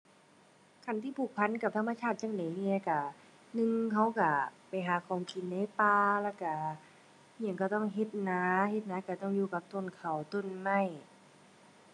คันที่ผูกพันกับธรรมชาติจั่งใดแหน่ก็ หนึ่ง ก็ก็ไปหาของกินในป่า แล้วก็มีหยังก็ต้องเฮ็ดนา เฮ็ดนาก็ต้องอยู่กับต้นข้าว ต้นไม้